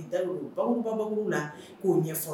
Da bama la k'u ɲɛfɔ